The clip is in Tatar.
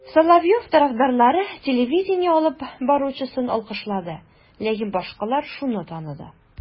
Соловьев тарафдарлары телевидение алып баручысын алкышлады, ләкин башкалар шуны таныды: